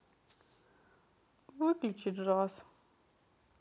выключи джаз